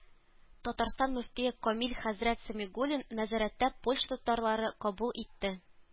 Татарстан мөфтие Камил хәзрәт Сәмигуллин нәзәрәттә Польша татарлары кабул итте.